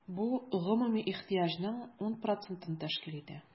Бу гомуми ихтыяҗның 10 процентын тәшкил итә.